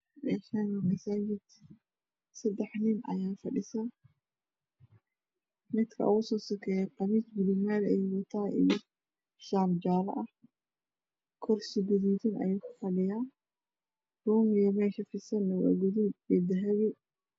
Meeshaani waa masaajid sadex nin ayaa fadhiso midka oogu soo sokeeyo qamiis buluug maari ayuu wataa iyo mid shaar jaale ah kursiga ay gaduudan ayey ku fadhiyan umiga meesha fidsan waa guduud iyo dahabi